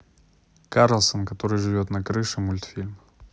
карлсон который живет на крыше мультфильм